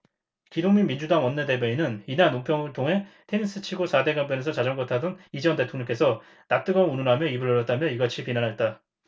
기동민 민주당 원내대변인은 이날 논평을 통해 테니스 치고 사 대 강변에서 자전거 타던 이 전 대통령께서 낯 뜨거움 운운하며 입을 열었다며 이같이 비난했다